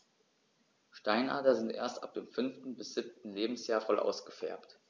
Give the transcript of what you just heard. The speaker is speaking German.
Steinadler sind erst ab dem 5. bis 7. Lebensjahr voll ausgefärbt.